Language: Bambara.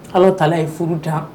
Ala ta ye furu ta